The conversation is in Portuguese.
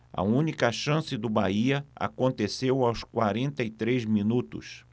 a única chance do bahia aconteceu aos quarenta e três minutos